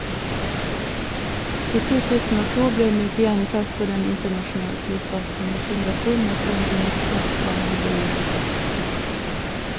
I 2002 ble Nguyen tatt på den internasjonale flyplassen i Singapore med 396 gram heroin.